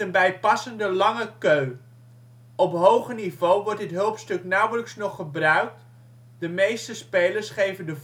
bijpassende lange keu. Op hoger niveau wordt dit hulpstuk nauwelijks nog gebruikt, de meeste spelers geven de